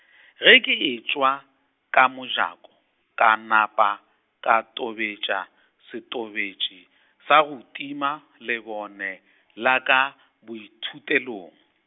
ge ke etšwa, ka mojako, ka napa, ka tobetša, setobetši, sa go tima, lebone, la ka boithutelong.